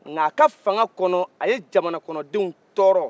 nka a ka fanga kɔnɔ a ye jamana kɔnɔdenw tɔɔrɔ